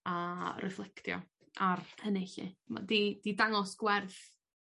a refflectio a'r hynny 'lly ma' 'di 'di dangos gwerth